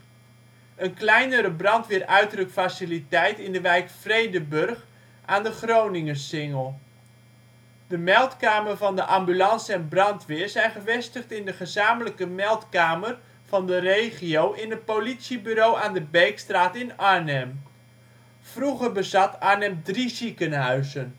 kleinere brandweer uitrukfaciliteit in de wijk Vredenburg aan de Groningensingel. De Meldkamer van de Ambulance en Brandweer zijn gevestigd in de Gezamenlijke MeldKamer van de Regio in het politiebureau aan de Beekstraat in Arnhem. Vroeger bezat Arnhem drie ziekenhuizen